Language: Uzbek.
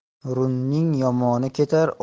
running yomoni ketar